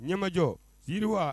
Ɲɛmajɔ yiriwa